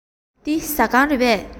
འདི ཟ ཁང རེད པས